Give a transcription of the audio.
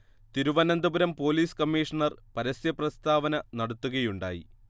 Thiruvananthapuram police commissioner പരസ്യപ്രസ്താവന നടത്തുകയുണ്ടായി